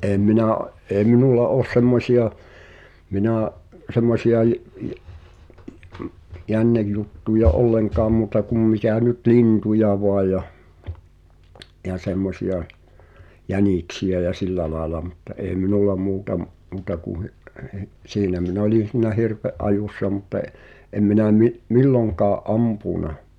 en minä ei minulla ole semmoisia minä semmoisia ---- jännejuttuja ollenkaan muuta kuin mitä nyt lintuja vain ja ja semmoisia jäniksiä ja sillä lailla mutta ei minulla muuta - muuta kuin - siinä minä olin sinä hirven ajossa mutta en en minä - milloinkaan ampunut